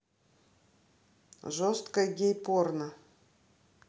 жесткое гей порно